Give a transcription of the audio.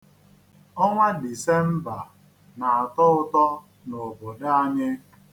Ọnwa Disemba na-atọ ụtọ na obodo anyị.